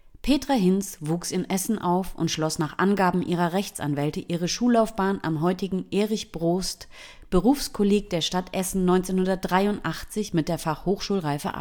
Petra Hinz wuchs in Essen auf und schloss nach Angaben ihrer Rechtsanwälte ihre Schullaufbahn am heutigen Erich-Brost-Berufskolleg der Stadt Essen 1983 mit der Fachhochschulreife